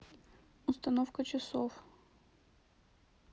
установка часов